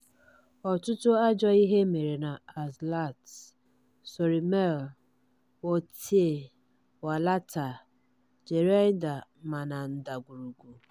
Ọtụtụ ajọ ihe mere na Azlatt, Sory Malé, Wothie, Walata, Jreida ma na ndagwurugwu.